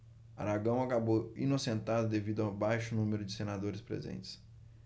aragão acabou inocentado devido ao baixo número de senadores presentes